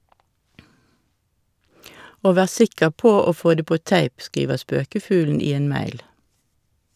Og vær sikker på å få det på tape, skriver spøkefuglen i en mail.